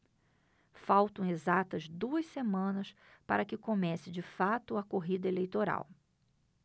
faltam exatas duas semanas para que comece de fato a corrida eleitoral